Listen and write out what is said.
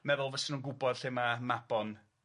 ...meddwl fyda nw'n gwbod lle ma' Mabon.